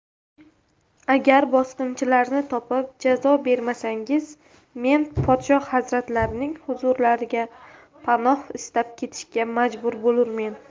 agar bosqinchilarni topib jazo bermasangiz men podshoh hazratlarining huzurlariga panoh istab ketishga majbur bo'lurmen